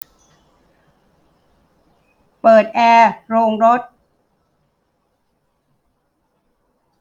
เปิดแอร์โรงรถ